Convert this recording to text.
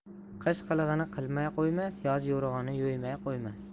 qish qilig'ini qilmay qo'ymas yoz yo'rig'ini yo'ymay qo'ymas